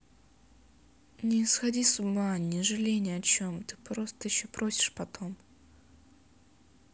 не сходи с ума не жалей ни о чем ты просто еще просишь потом